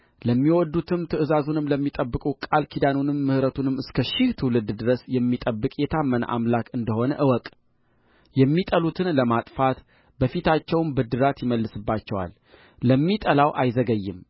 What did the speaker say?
ለሚወድዱትም ትእዛዙንም ለሚጠብቁ ቃል ኪዳኑንና ምሕረቱን እስከ ሺህ ትውልድ ድረስ የሚጠብቅ የታመነ አምላክ እንደ ሆነ እወቅየሚጠሉትን ለማጥፋት በፊታቸው ብድራት ይመልስባቸዋል ለሚጠላው አይዘገይም